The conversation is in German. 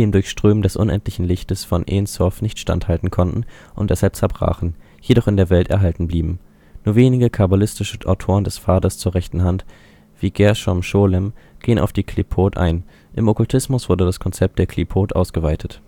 Durchströmen des unendlichen Lichtes von En Sof nicht standhalten konnten und deshalb zerbrachen, jedoch in der Welt erhalten blieben. Nur wenige kabbalistische Autoren des Pfades zur rechten Hand, wie Gershom Scholem, gehen auf die Qlīpōt ein. Im Okkultismus wurde das Konzept der Qlīpōt ausgeweitet